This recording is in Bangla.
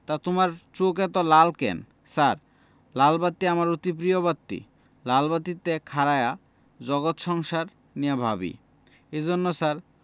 তা তোমার চোখ এত লাল কেন ছার লাল বাত্তি আমার অতি প্রিয় বাত্তি লাল বাত্তি তে খাড়ায়া জগৎ সংসার নিয়া ভাবি এইজন্য ছার